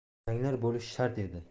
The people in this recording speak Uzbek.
ranglar bo'lishi shart edi